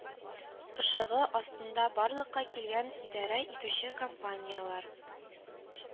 Ышыгы астында барлыкка килгән идарә итүче компанияләр